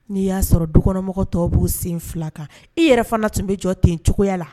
N'i y'a sɔrɔ dukɔnɔmɔgɔ tɔw' sen fila kan i yɛrɛ fana tun bɛ jɔ ten cogoya la